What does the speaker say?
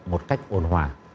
một cách ôn hòa